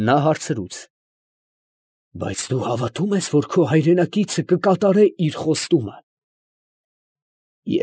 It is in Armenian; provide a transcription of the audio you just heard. Նա հարցրեց. ֊ Դու հավատո՞ւմ ես, որ քո հայրենակիցը կկատարե իր խոստումը։ ֊